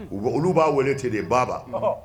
Olu b'a wele ten de ye baaba; Ɔnhɔn.